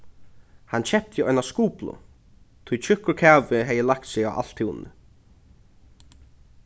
hann keypti eina skuplu tí tjúkkur kavi hevði lagt seg á alt túnið